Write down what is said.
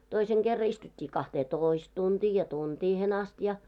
toisen kerran istuttiin kahteentoista tuntia ja tuntiin asti ja